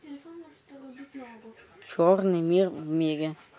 черный мир в мире